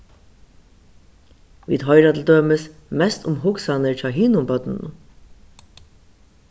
vit hoyra til dømis mest um hugsanir hjá hinum børnunum